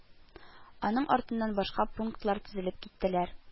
Аның артыннан башка пунктлар тезелеп киттеләр